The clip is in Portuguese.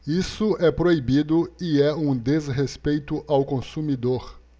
isso é proibido e é um desrespeito ao consumidor